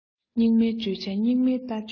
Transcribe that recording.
སྙིགས མའི བརྗོད བྱ སྙིགས མའི ལྟ སྤྱོད ཅན